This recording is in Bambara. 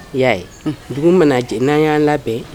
I y'a ye dugu mana jɛ n'an y'a labɛn